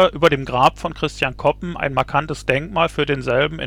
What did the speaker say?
über dem Grab von Christian Koppe ein markantes Denkmal für denselben